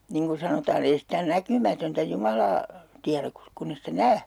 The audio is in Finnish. niin kuin sanotaan ei sitä näkymätöntä Jumalaa tiedä - kun ei sitä näe